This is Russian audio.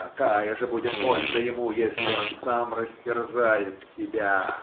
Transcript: Какая же будет польза ему, если он сам растерзает себя?